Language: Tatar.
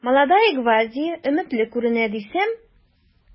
“молодая гвардия” өметле күренә дисәм...